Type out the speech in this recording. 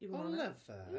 I fod yn onest... Love her.